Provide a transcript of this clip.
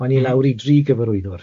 ...o'n i lawr i dri gyfarwyddwr